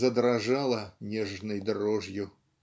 "задрожала нежной дрожью".